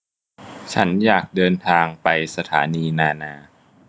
ฉันอยากเดินทางไปสถานีนานา